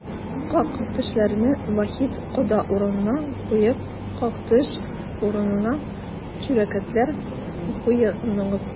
Как-төшләрне Вахит кода урынына куеп, как-төш урынына чүрәкләр куеңыз!